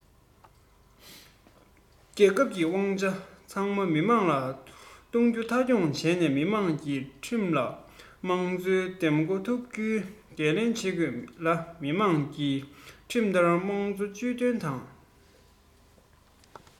རྒྱལ ཁབ ཀྱི དབང ཆ ཚང མ མི དམངས ལ གཏོགས རྒྱུ མཐའ འཁྱོངས བྱས ནས མི དམངས ཀྱིས ཁྲིམས ལྟར དམངས གཙོ འདེམས བསྐོ ཐུབ རྒྱུའི འགན ལེན བྱེད དགོས ལ མི དམངས ཀྱིས ཁྲིམས ལྟར དམངས གཙོ ཇུས འདོན དང